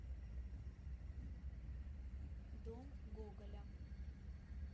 дом гоголя